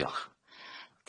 Diolch.